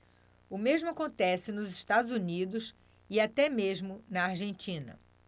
o mesmo acontece nos estados unidos e até mesmo na argentina